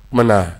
Tumana